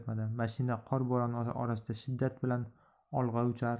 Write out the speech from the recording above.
mashina qor bo'roni orasida shiddat bilan olg'a uchar